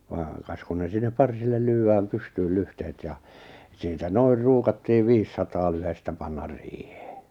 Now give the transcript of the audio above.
vaan kas kun ne sinne parsille lyödään pystyi lyhteet ja siitä noin ruukattiin viisisataa lyhdettä panna riiheen